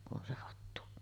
kun on se hattu